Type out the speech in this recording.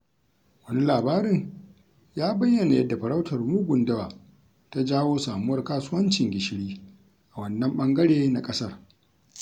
Wani labarin ya bayyana yadda farautar mugun dawa ta jawo samuwar kasuwancin gishiri a wannan ɓangare na ƙasar.